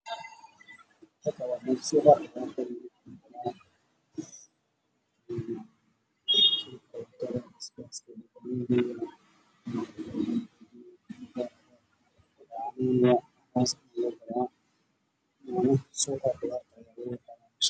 Meeshan waa boor ay ku qoran tahay maqaayad iyo cunnadeeda la haysiinayo